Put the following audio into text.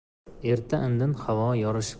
erta indin havo yurishib